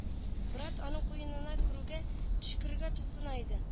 Брат аның куенына керүгә төчкерергә тотына иде